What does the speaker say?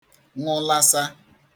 nụlasa